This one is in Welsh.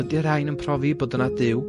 Ydy'r rhain yn profi bod yna Duw?